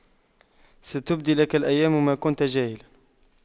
ستبدي لك الأيام ما كنت جاهلا